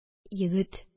Егет